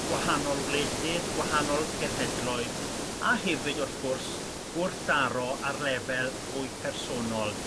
gwahanol wledydd gwahanol genhedloedd a hefyd wrth gwrs gwrthdaro ar lefel fwy personol